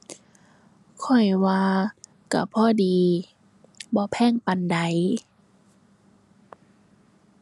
ข้อยว่าก็พอดี บ่แพงปานใด